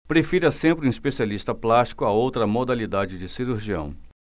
prefira sempre um especialista plástico a outra modalidade de cirurgião